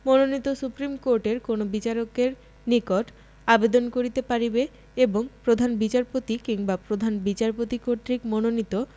মনোনীত সুপ্রীম কোর্টের কোন বিচারকের নিকট আবেদন করিতে পারিবে এবং প্রধান বিচারপতি কিংবা প্রধান বিচারপতি কর্তৃক মনোনীত